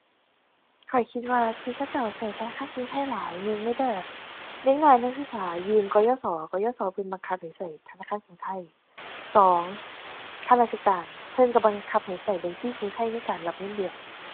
ข้อยคิดว่าที่เขาเจ้าใช้ธนาคารกรุงไทยหลาย หนึ่งเลยเด้อ เด็กน้อยนักศึกษายืม กยศ. กยศ. เพิ่นบังคับให้ใช้ธนาคารกรุงไทย สอง ข้าราชการเพิ่นใช้บังคับให้ใช้บัญชีกรุงไทยในการรับเงินเดือน